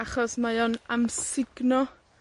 Achos mae o'n amsugno